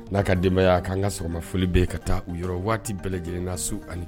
N'a ka denbaya y'a ka an ka sɔgɔma foli bɛ ka taa u yɔrɔ waati bɛɛ lajɛlenna su ani